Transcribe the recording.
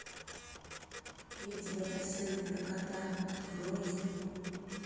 я тебя просил не про кота открой